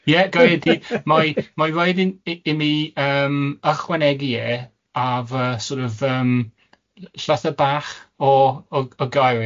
Ie gair y dydd mae mae'n rhaid i mi yym ychwanegu e ar fy sort of yym llythyr bach o o o gairiau.